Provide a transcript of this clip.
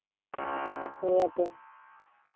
нету